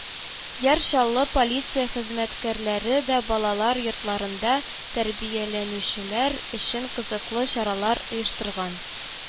Яр Чаллы полиция хезмәткәрләре дә балалар йортларында тәрбияләнүчеләр өчен кызыклы чаралар оештырган